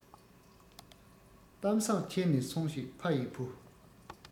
གཏམ བཟང འཁྱེར ནས སོང ཞིག ཕ ཡི བུ